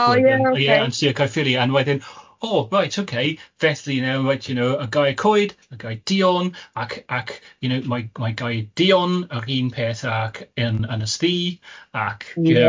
...yn Sir Caerphilia yn wedyn, o reit ok, felly nawr you know y gair coed, y gair duon, ac ac you know mae gair duon yr un peth ac yn Ynys Ddu ac... Ie.